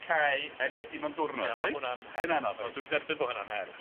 cae a medi mewn diwrnod reit? Ia ma' hwnna'n her. Mae'n anodd odi? Wel dwi'n derbyn bo' hwnna'n 'er.